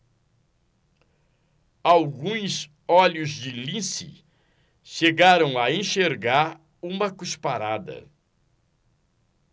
alguns olhos de lince chegaram a enxergar uma cusparada